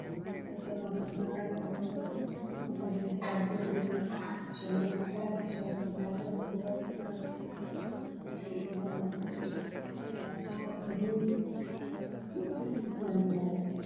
Waa school waxaa jooga wiilal wata shaati jaale